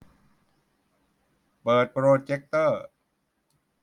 เปิดโปรเจกเตอร์